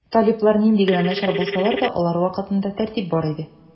Талиблар нинди генә начар булсалар да, алар вакытында тәртип бар иде.